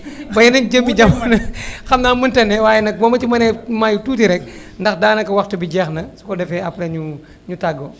xëy na dina jafe xam na mënta ne waaye nag boo ma ci mënee may tuuti rek ndax daanaka waxtu bi jeex na su ko defee après ñu ñu tàggoo